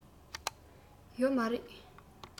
ཡོད མ རེད